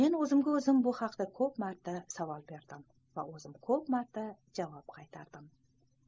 men o'zimga o'zim bu haqda ko'p marta savol berdim va o'zim ko'p marta javob qaytardim